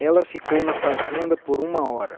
ela ficou na fazenda por uma hora